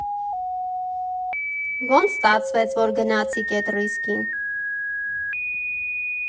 Ո՞նց ստացվեց, որ գնացիք էդ ռիսկին։